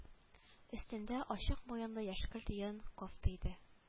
Өстендә ачык муенлы яшькелт йон кофта иде